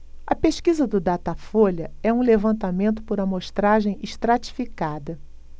a pesquisa do datafolha é um levantamento por amostragem estratificada